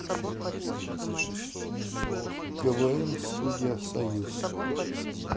квн студия союз